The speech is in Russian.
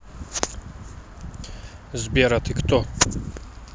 сбер а ты кто